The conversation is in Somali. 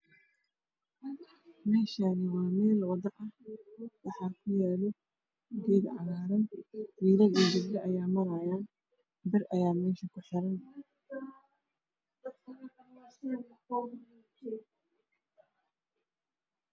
Meshaani waa meel wado ah waxaa ku yaalo geed cagaran wiilal iyo gabdho ayaa marayaan dhar ayaa mesh ku xiran